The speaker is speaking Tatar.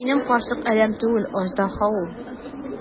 Минем карчык адәм түгел, аждаһа ул!